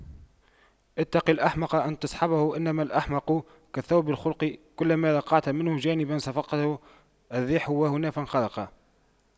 اتق الأحمق أن تصحبه إنما الأحمق كالثوب الخلق كلما رقعت منه جانبا صفقته الريح وهنا فانخرق